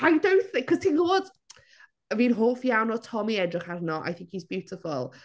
I don't think achos ti'n gwybod fi'n hoff iawn o Tom i edrych arno I think he's beautiful...